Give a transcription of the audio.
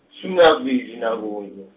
-shumi nakubili nakunye.